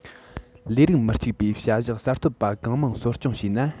ལས རིགས མི གཅིག པའི བྱ གཞག གསར གཏོད པ གང མང གསོ སྐྱོང བྱས ན